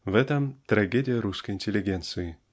В этом -- трагедия русской интеллигенции.